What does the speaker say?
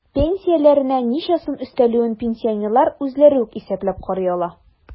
Пенсияләренә ничә сум өстәлүен пенсионерлар үзләре үк исәпләп карый ала.